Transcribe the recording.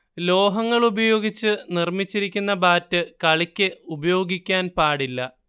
ലോഹങ്ങൾ ഉപയോഗിച്ച് നിർമിച്ചിരിക്കുന്ന ബാറ്റ് കളിക്ക് ഉപയോഗിക്കാൻ പാടില്ല